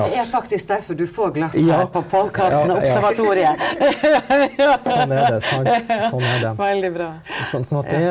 det er faktisk derfor du får glass her på podkasten Observatoriet ja veldig bra.